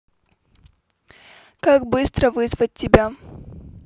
как быстро вызвать тебя